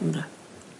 Ynde?